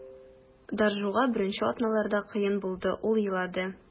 Доржуга беренче атналарда кыен булды, ул елады.